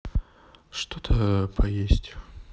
что то поесть